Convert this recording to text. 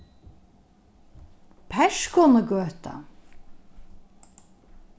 perskonugøta